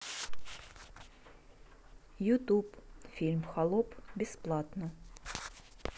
ютуб фильм холоп бесплатно